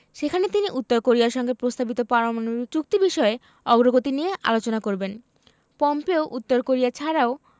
সেখানে তিনি উত্তর কোরিয়ার সঙ্গে প্রস্তাবিত পারমাণবিক চুক্তি বিষয়ে অগ্রগতি নিয়ে আলোচনা করবেন পম্পেও উত্তর কোরিয়া ছাড়াও